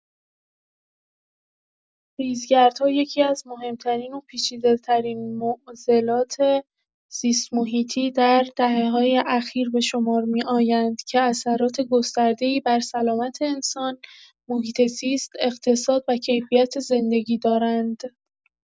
ریزگردها یکی‌از مهم‌ترین و پیچیده‌ترین معضلات زیست‌محیطی در دهه‌های اخیر به شمار می‌آیند که اثرات گسترده‌ای بر سلامت انسان، محیط‌زیست، اقتصاد و کیفیت زندگی دارند.